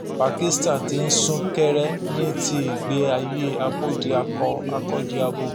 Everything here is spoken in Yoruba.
Pakistan ti ń sún kẹ́rẹ́ ní ti ìgbé ayé Abódiakọ-akọ́diabo.